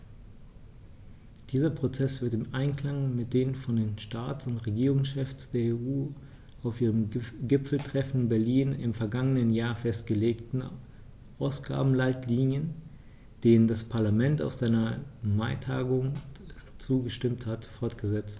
Dieser Prozess wird im Einklang mit den von den Staats- und Regierungschefs der EU auf ihrem Gipfeltreffen in Berlin im vergangenen Jahr festgelegten Ausgabenleitlinien, denen das Parlament auf seiner Maitagung zugestimmt hat, fortgesetzt.